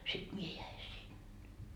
sitten minä jäin sinne